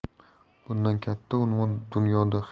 bundan katta unvon dunyoda